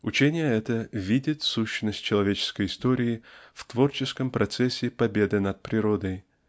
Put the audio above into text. Учение это видит сущность человеческой истории в творческом процессе победы над природой